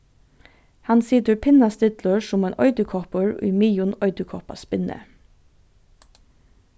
hann situr pinnastillur sum ein eiturkoppur í miðjum eiturkoppaspinni